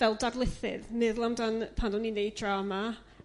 fel darlithydd meddwl amdan pan o'n i'n ' neud drama